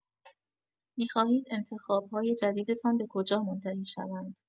می‌خواهید انتخاب‌های جدیدتان به کجا منتهی شوند؟